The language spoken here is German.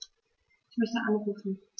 Ich möchte anrufen.